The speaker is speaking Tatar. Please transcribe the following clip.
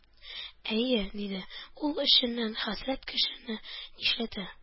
«әйе,— диде ул эченнән,—хәсрәт кешене нишләтә!»